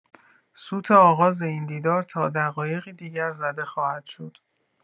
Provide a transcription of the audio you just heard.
سوت آغاز این دیدار تا دقایقی دیگر زده خواهد شد.